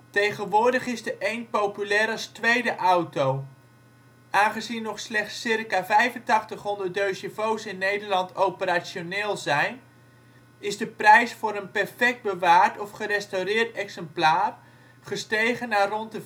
Tegenwoordig is de eend populair als tweede auto. Aangezien nog slechts circa 8500 2CV 's in Nederland operationeel zijn is de prijs voor een perfect bewaard of gerestaureerd exemplaar gestegen naar rond de